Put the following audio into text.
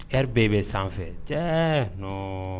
Hɛrɛri bɛɛ bɛ sanfɛ cɛ nɔɔ